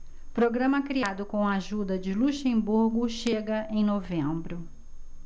programa criado com a ajuda de luxemburgo chega em novembro